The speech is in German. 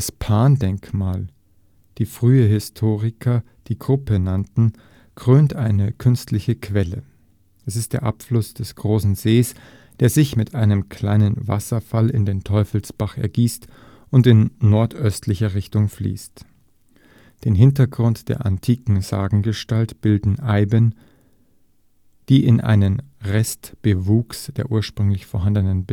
Pan-Denkmal “, wie frühe Historiker die Gruppe nannten, krönt eine künstliche Quelle. Es ist der Abfluss des Großen Sees, der sich mit einem kleinen Wasserfall in den Teufelsbach ergießt und in nordöstlicher Richtung fließt. Den Hintergrund der antiken Sagengestalt bilden Eiben, die in einen Restbewuchs der ursprünglich vorhandenen